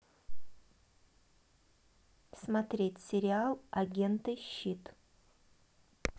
смотреть сериал агенты щит